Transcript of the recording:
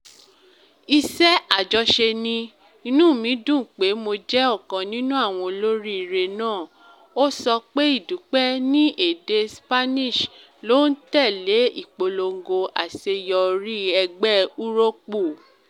Iṣẹ́ àjọṣẹ ni. Inú mi dùn pé mo jẹ́ ọ̀kan nínú àwọn olóríire náà,” ó sọ pé ìdúpẹ́ ní èdè Spanish ló ń tẹ̀lé ìpòlogo àṣeyọrí ẹgbẹ́ Úróópù.